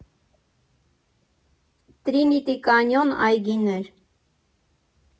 Տրինիտի կանյոն այգիներ։